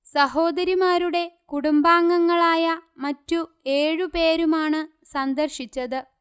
സഹോദരിമാരുടെ കുടുംബാംഗങ്ങളായ മറ്റു ഏഴു പേരുമാണു സന്ദർശിച്ചത്